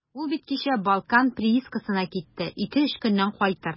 Ул бит кичә «Балкан» приискасына китте, ике-өч көннән кайтыр.